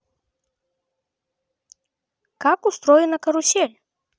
как устроена карусель